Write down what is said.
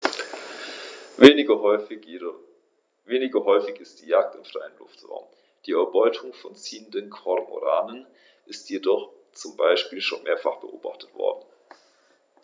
Weniger häufig ist die Jagd im freien Luftraum; die Erbeutung von ziehenden Kormoranen ist jedoch zum Beispiel schon mehrfach beobachtet worden.